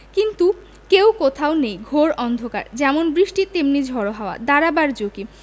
কিন্তু কেউ কোথাও নেই ঘোর অন্ধকার যেমন বৃষ্টি তেমনি ঝড়ো হাওয়া দাঁড়াবার জো কি